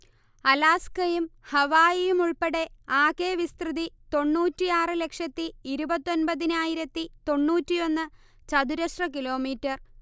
അലാസ്കയും ഹാവായിയും ഉൾപ്പെടേ ആകെ വിസ്തൃതി തൊണ്ണൂറ്റിയാറ് ലക്ഷത്തിയിരുപത്തിയൊമ്പത്തിയായിരത്തി തൊണ്ണൂറ്റിയൊന്ന് ചതുരശ്ര കിലോമീറ്റർ